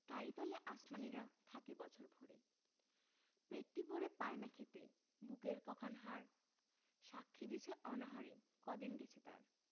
তারি তলে আসমানীরা থাকে বছর ভরে পেটটি ভরে পায় না খেতে বুকের ক খান হাড় সাক্ষী দিছে অনাহারে কদিন গেছে তার